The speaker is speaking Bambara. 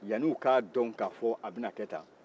yanni u k'a dɔn k'a fɔ a bɛna kɛ tan